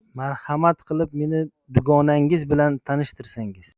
marhamat qilib meni duganangiz bilan tanishtirsangiz